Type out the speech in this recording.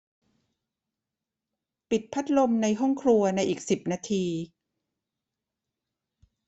ปิดพัดลมในห้องครัวในอีกสิบนาที